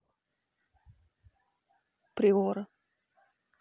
приора